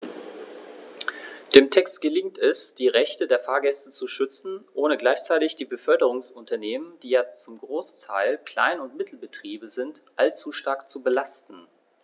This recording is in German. Dem Text gelingt es, die Rechte der Fahrgäste zu schützen, ohne gleichzeitig die Beförderungsunternehmen - die ja zum Großteil Klein- und Mittelbetriebe sind - allzu stark zu belasten.